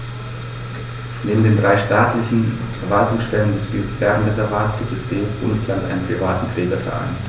Neben den drei staatlichen Verwaltungsstellen des Biosphärenreservates gibt es für jedes Bundesland einen privaten Trägerverein.